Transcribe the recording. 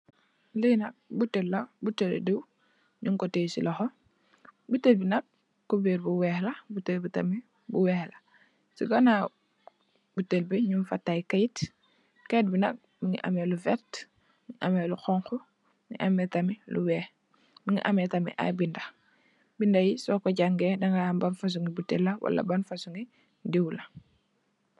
Li nak buteel la, buteel li diw nung ko tè ci loho. Buteel bi nak cubèr bu weeh la, buteel bi tamit bu weeh la. Chi ganaaw buteel bi nung fa tayè kayit. Kayit bi nak mungi ameh lu vert, mungi ameh lu honku, mungi ameh tamit lu weeh, mungi ameh tamit ay binda. Binda yi soko jàngay daga ham li ban fasung buteel la wala ban fasungi diw la.